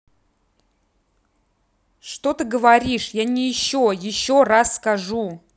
что ты говоришь я не еще еще раз скажу